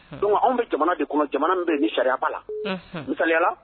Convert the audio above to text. Don anw bɛ jamana de kɔnɔ jamana min bɛ ni sariyaba la miyala